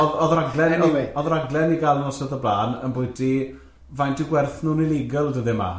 Oedd odd y raglen oedd odd y raglen i gael y noson o blaen yn ambwyty faint yw gwerth nhw'n ilegal dyddiau ma?